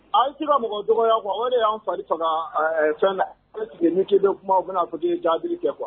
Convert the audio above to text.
A sigira mɔgɔ dɔgɔya kuwa ale de y'an fa faga fɛn na ni kuma u bɛna k' jaabi kɛ kuwa